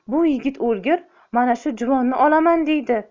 bu yigit o'lgur mana shu juvonni olaman deydi